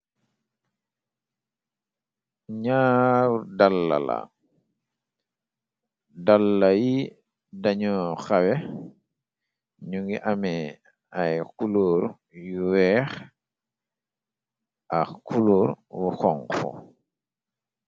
Nyaaru dalla la dalla yi dañoo xawe ñu ngi amee ay kulóor yu weex ax kulóor u xonku.